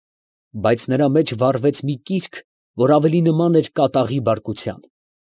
Բայց նրա մեջ վառվեց մի կիրք, որ ավելի նման էր կատաղի բարկության։